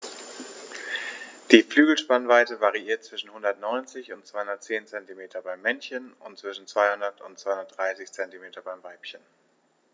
Die Flügelspannweite variiert zwischen 190 und 210 cm beim Männchen und zwischen 200 und 230 cm beim Weibchen.